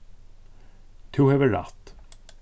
tú hevur rætt